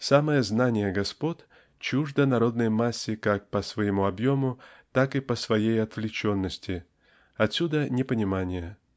самое знание господ чуждо народной массе как по своему объему так и по своей отвлеченности отсюда непонимание.